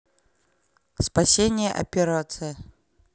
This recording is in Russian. спасение операция